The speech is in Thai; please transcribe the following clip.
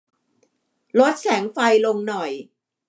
ลดแสงไฟลงหน่อย